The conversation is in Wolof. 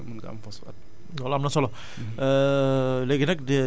ak insdustries yiy defar phosphate yëpp boo fa demee mun nga fa am phosphate